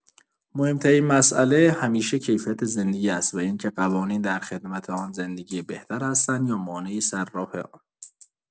مهم‌ترین مسئله همیشه کیفیت زندگی است و اینکه قوانین در خدمت آن زندگی بهتر هستند یا مانعی سر راه آن.